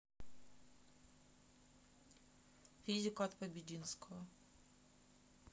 физика от побединского